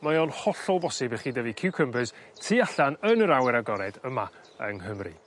mae o'n hollol bosib i chi dyfu ciwcymbyrs tu allan yn yr awyr agored yma yng Nghymru.